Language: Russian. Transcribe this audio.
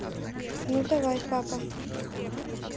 ну давай папа